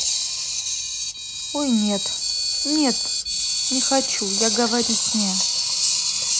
ой нет нет не хочу я говорить не